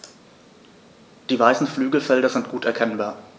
Die weißen Flügelfelder sind gut erkennbar.